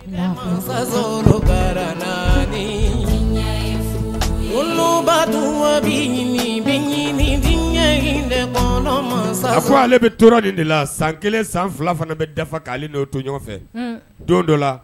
Sokaraumba tun bɛ ɲɛ le kɔnɔ masa a fɔ ale bɛ tora de de la san kelen san fila fana bɛ dafa k'aleo to ɲɔgɔn fɛ don dɔ la